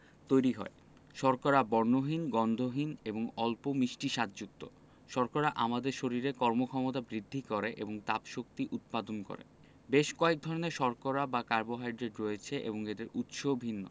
তৈরি হয় শর্করা বর্ণহীন গন্ধহীন এবং অল্প মিষ্টি স্বাদযুক্ত শর্করা আমাদের শরীরে কর্মক্ষমতা বৃদ্ধি করে এবং তাপশক্তি উৎপাদন করে বেশ কয়েক ধরনের শর্করা বা কার্বোহাইড্রেট রয়েছে এবং এদের উৎসও ভিন্ন